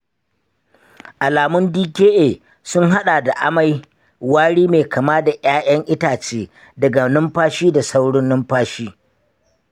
alamun dka sun haɗa da amai, wari mai kama da ƴaƴan itace daga numfashi da saurin numfashi.